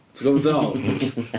Ti'n gwbod be dwi'n feddwl ?